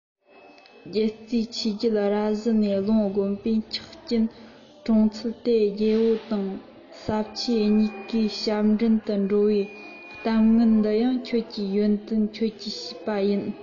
རྒྱལ རྩེ ཆོས རྒྱལ ར བཟི ནས རླུང བསྒོམས པས འཁྱགས རྐྱེན གྲོངས ཚུལ དེ རྒྱལ པོ དང ཟབ ཆོས གཉིས ཀའི ཞབས འདྲེན དུ འགྲོ བའི གཏམ ངན འདི ཡང ཁྱོད ཀྱི ཡོན ཏན ཁྱོད ཀྱི བྱས པ ཡིན